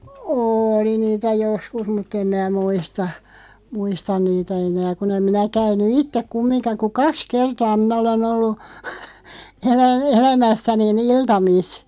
oli niitä joskus mutta en minä muista muista niitä enää kun en minä käynyt itse kumminkaan kuin kaksi kertaa minä olen ollut - elämässäni iltamissa